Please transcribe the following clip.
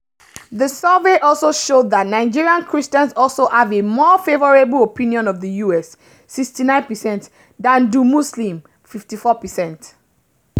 The survey also showed that Nigerian Christians also "have a more favorable opinion of the US (69 percent) than do Muslims (54 percent)".